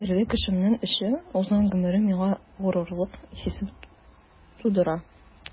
Кадерле кешемнең эше, узган гомере миндә горурлык хисе тудыра.